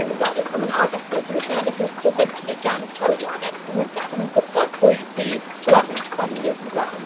Sa i'n gwybod, mae'n od achos bod y diwylliant 'na 'di cael ei sefydlu gan ysgolion ers blynydde. Maen nhw'n gwybod pwy sy fel arfer yn cystadlu ac yn y blaen.